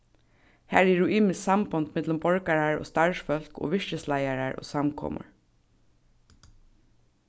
har eru ymisk sambond millum borgarar og starvsfólk og virkisleiðarar og samkomur